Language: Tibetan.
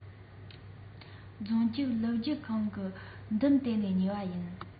རྫོང རྒྱབ ཀླུ རྒྱབ ཁང གི མདུན དེ ནས ཉོས པ ཡིན